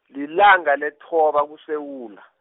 lilanga lethoba kuSewula.